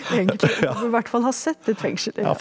enkelte burde i hvert fall ha sett et fengsel ja.